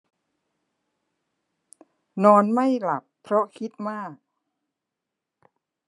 นอนไม่หลับเพราะคิดมาก